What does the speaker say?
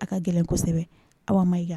Aw ka gɛlɛn kosɛbɛ, Awa Mayiga